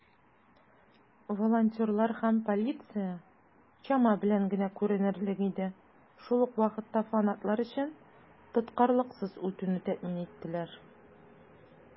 Волонтерлар һәм полиция чама белән генә күренерлек иде, шул ук вакытта фанатлар өчен тоткарлыксыз үтүне тәэмин иттеләр.